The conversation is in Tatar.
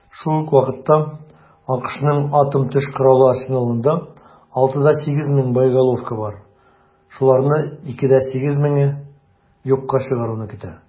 Шул ук вакытта АКШның атом төш коралы арсеналында 6,8 мең боеголовка бар, шуларны 2,8 меңе юкка чыгаруны көтә.